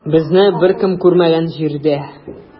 Безне беркем күрмәгән җирдә.